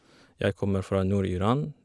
Jeg kommer fra Nord-Iran.